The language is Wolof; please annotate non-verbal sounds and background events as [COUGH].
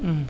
[HESITATION] [HESITATION]